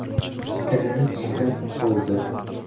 tilini tishlab qoldi